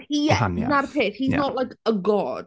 He... gwahaniaeth... 'na'r peth, he's not like a god.